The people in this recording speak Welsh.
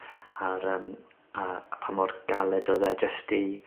a'r yym a a pa mor galed odd e jyst i